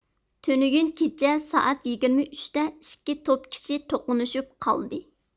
تۈنۈگۈن كېچە سائەت يىگىرمە ئۈچتە ئىككى توپ كىشى توقۇنۇشۇپ قالدى